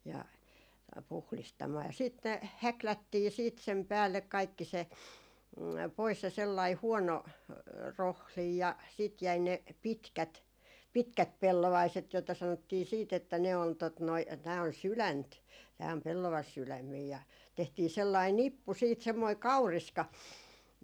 ja puhdistamaan ja sitten ne häklättiin sitten sen päälle kaikki se pois se sellainen huono rohdin ja sitten jäi ne pitkät pitkät pellovaiset joita sanottiin sitten että ne on tuota noin tämä on sydäntä tämä on pellavasydämiä ja ja tehtiin sellainen nippu sitten semmoinen kauriska